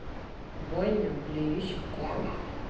бойня блюющих куколок